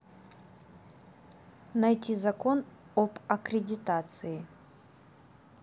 найти закон об аккредитации